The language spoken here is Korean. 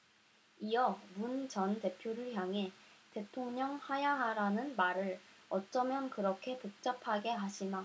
이어 문 전 대표를 향해 대통령 하야하라는 말을 어쩌면 그렇게 복잡하게 하시나